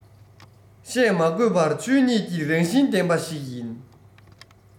བཤད མ དགོས པར ཆོས ཉིད ཀྱི རང བཞིན ལྡན པ ཞིག ཡིན